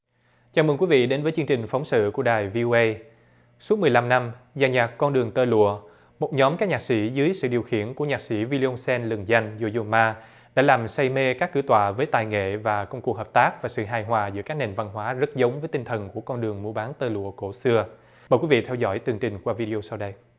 chào mừng quý vị đến với chương trình phóng sự của đài vi ô ây suốt mười lăm năm dàn nhạc con đường tơ lụa thuộc nhóm các nhạc sĩ dưới sự điều khiển của nhạc sĩ vi ô lông xen lừng danh giô giô ma đã làm say mê các cửa tòa với tài nghệ và công cụ hợp tác và sự hài hòa giữa các nền văn hóa rất giống với tinh thần của con đường mua bán tơ lụa cổ xưa mời quý vị theo dõi chương trình qua vi đi ô sau đây